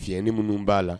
Fiɲɛni minnu b'a la